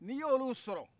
n'i y'olu sɔrɔ